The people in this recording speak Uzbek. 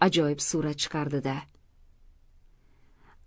ajoyib surat chiqardi da